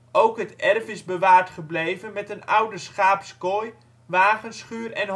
Ook het erf is bewaard gebleven met een oude schaapskooi, wagenschuur en hooiberg